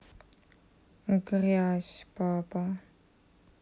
грязь папа